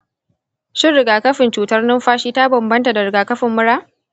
shin rigakafin cutar numfashi ta bambanta da rigakafin mura?